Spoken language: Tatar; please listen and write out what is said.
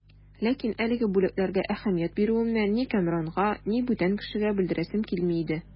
Ләкин әлеге бүләкләргә әһәмият бирүемне ни Кәмранга, ни бүтән кешегә белдерәсем килми иде.